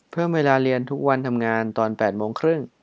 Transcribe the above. เพิ่มเวลาเรียนทุกวันทำงานตอนแปดโมงครึ่ง